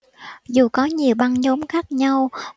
dù có nhiều băng nhóm khác nhau